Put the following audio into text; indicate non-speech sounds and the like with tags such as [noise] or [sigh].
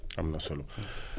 am na solo [breath]